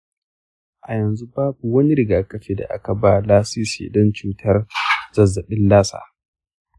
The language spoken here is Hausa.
a yanzu babu wani rigakafi da aka ba lasisi don cutar zazzabin lassa.